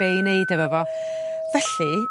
be' i neud hefo fo felly